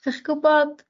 'dach chi gwbod